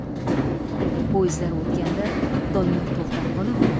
poyezdlar o'tganda doniyor to'xtab qolib